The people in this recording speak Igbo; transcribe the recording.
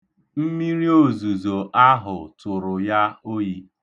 Mmiriozuzo ahụ tụrụ ya oyi.